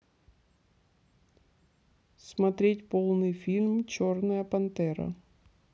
смотреть полный фильм черная пантера